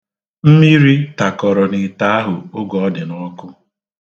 Mmiri takọrọ n'ite ahụ oge ọ dị n'ọkụ.